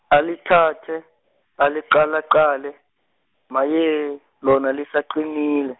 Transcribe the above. ali thathe, aliqalaqale, maye lona lisaqinile.